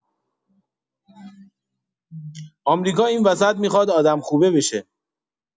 آمریکا این وسط می‌خواد آدم خوبه بشه